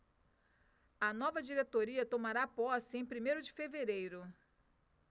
a nova diretoria tomará posse em primeiro de fevereiro